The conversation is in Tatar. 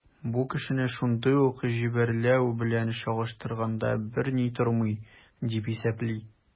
Бу кешене шундый ук җәберләү белән чагыштырганда берни тормый, дип исәпли.